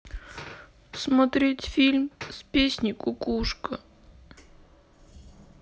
смотреть фильм с песней кукушка